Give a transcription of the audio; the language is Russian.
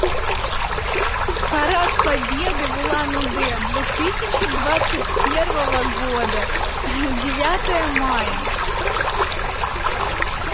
парад победы в улан удэ две тысячи двадцать первого года девятое мая